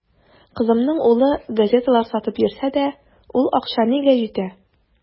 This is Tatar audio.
Кызымның улы газеталар сатып йөрсә дә, ул акча нигә җитә.